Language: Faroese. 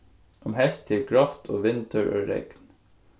um heystið er grátt og vindur og regn